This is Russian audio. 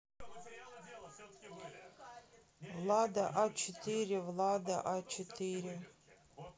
влада а четыре влада а четыре